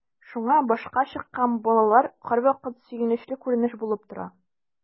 Шуңа “башка чыккан” балалар һәрвакыт сөенечле күренеш булып тора.